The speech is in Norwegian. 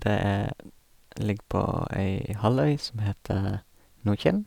Det er ligger på ei halvøy som heter Nordkinn.